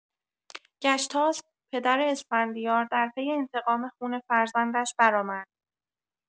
گشتاسپ، پدر اسفندیار، در پی انتقام خون فرزندش برآمد.